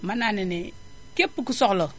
mën naa ne ne képp ku soxla